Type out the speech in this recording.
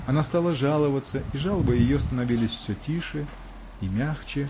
она стала жаловаться, и жалобы ее становились все тише и мягче